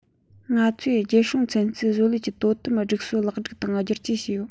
ང ཚོས རྒྱལ སྲུང ཚན རྩལ བཟོ ལས ཀྱི དོ དམ སྒྲིག སྲོལ ལེགས སྒྲིག དང བསྒྱུར བཅོས བྱས ཡོད